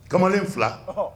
Kamalen fila